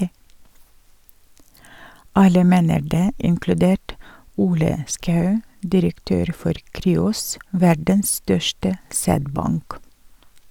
"Alle mener det, inkludert Ole Schou, direktør for Cryos, verdens største sædbank".